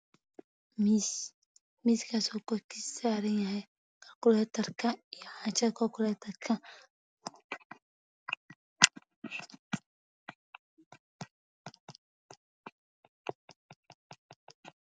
Miis kaasoo kor kiisa saaran yahay kolkoleetarka